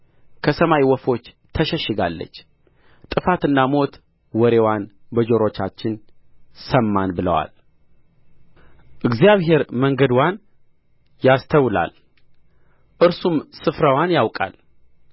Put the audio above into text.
ከሰማይ ወፎች ተሸሽጋለች ጥፋትና ሞት ወሬዋን በጆሮቻችን ሰማን ብለዋል እግዚአብሔር መንገድዋን ያስተውላል እርሱም ስፍራዋን ያውቃል